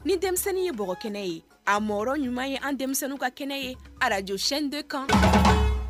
Ni denmisɛnnin ye b kɛnɛ ye a mɔgɔ ɲuman ye an denmisɛnnin ka kɛnɛ ye arajoc de kan